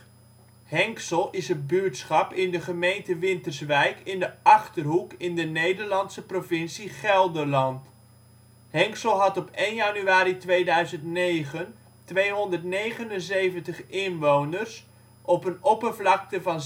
Henxel is een buurtschap in de gemeente Winterswijk, in de Achterhoek in de Nederlandse provincie Gelderland. Henxel had op 1 januari 2009 279 inwoners op een oppervlakte van